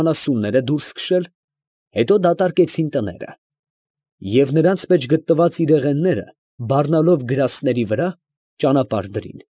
Անասունները դուրս քշել, հետո տները դատարկեցին, և նրանց մեջ գտնված իրեղենները բառնալով գրաստների վրա, ճանապարհ դրին։